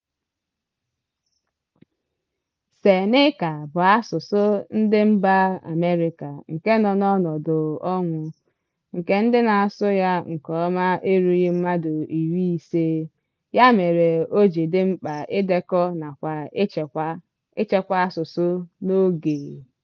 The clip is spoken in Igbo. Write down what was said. Seneca bụ asụsụ ndị mba Amerịka nke nọ n'ọnọdụ ọnwụ, nke ndị na-asụ ya nke ọma erughị mmadụ iri ise (50), ya mere ọ ji dị mkpa idekọ nakwa ichekwa asụsụ n'oge.